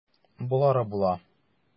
Болары була.